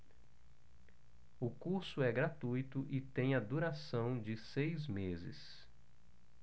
o curso é gratuito e tem a duração de seis meses